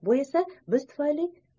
bu esa biz tufayli